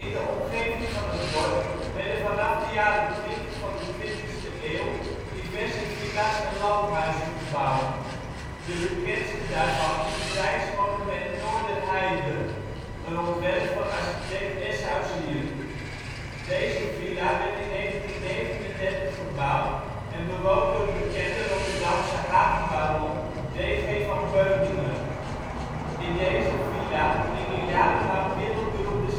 de omgeving van het dorp werden vanaf de jaren 20 van de 20e eeuw diverse villa 's en landhuizen gebouwd. De bekendste daarvan is het rijksmonument " Noorderheide ", een ontwerp van architect Eschauzier. Deze villa werd in 1939 gebouwd en bewoond door de bekende Rotterdamse havenbaron D.G. van Beuningen. In deze villa hingen jarenlang wereldberoemde